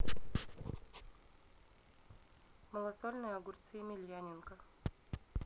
малосольные огурцы емельяненко